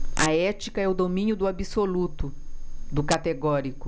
a ética é o domínio do absoluto do categórico